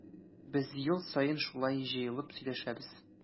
Без ел саен шулай җыелып сөйләшәбез.